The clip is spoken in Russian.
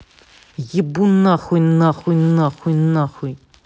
ебу нахуй нахуй нахуй нахуй